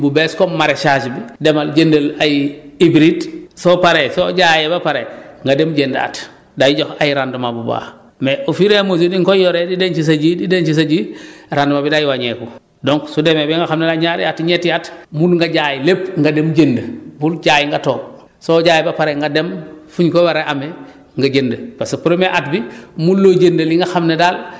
donc da ngay dem nga jënd jiw bu bees comme maraichage bi demal jëndal ay hybride soo paree soo jaayee ba pare nga dem jëndaat day jox ay rendement bu baax mais au fur et à mesure ni nga koy yoree di denc sa ji di denc sa ji rendement bi day wàññeeku donc su demee ba nga xam ne daal ñaari at ñetti at mun nga jaay lépp nga dem jënd bul jaay nga toog soo jaayee ba pare nga dem fu ñu ko war a amee nga jënd